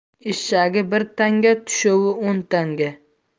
eshagi bir tanga tushovi o'n tanga